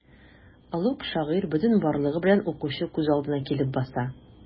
Олуг шагыйрь бөтен барлыгы белән укучы күз алдына килеп баса.